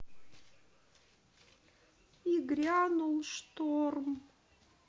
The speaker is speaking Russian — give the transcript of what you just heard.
и грянул шторм